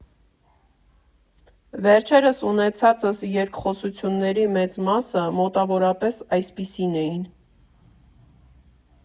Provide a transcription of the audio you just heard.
Վերջերս ունեցածս երկխոսությունների մեծ մասը մոտավորապես այսպիսին էին.